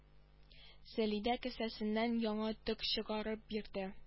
Залидә кесәсеннән яңа төк чыгарып бирде